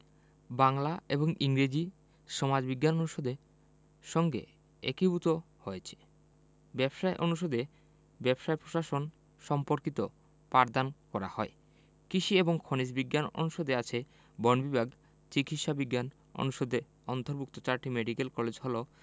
বাংলা এবং ইংরেজি সমাজবিজ্ঞান অনুষদের সঙ্গে একীভূত হয়েছে ব্যবসায় অনুষদে ব্যবসায় পশাসন সম্পর্কিত পাঠদান করা হয় কিষি এবং খনিজ বিজ্ঞান অনুষদে আছে বন বিভাগ চিকিৎসা বিজ্ঞান অনুষদভুক্ত চারটি মেডিকেল কলেজ হলো